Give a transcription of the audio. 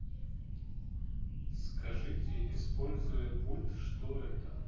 скажите используя пульт что это